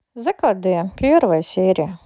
зкд первая серия